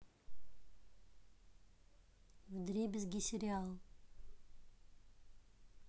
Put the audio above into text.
вдребезги сериал